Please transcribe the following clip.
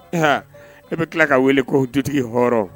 H e bɛ tila ka wele ko du hɔrɔn